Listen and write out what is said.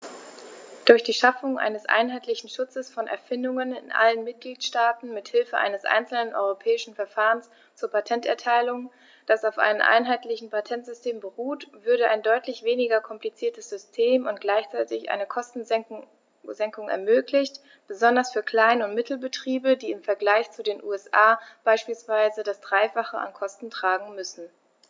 Durch die Schaffung eines einheitlichen Schutzes von Erfindungen in allen Mitgliedstaaten mit Hilfe eines einzelnen europäischen Verfahrens zur Patenterteilung, das auf einem einheitlichen Patentsystem beruht, würde ein deutlich weniger kompliziertes System und gleichzeitig eine Kostensenkung ermöglicht, besonders für Klein- und Mittelbetriebe, die im Vergleich zu den USA beispielsweise das dreifache an Kosten tragen müssen.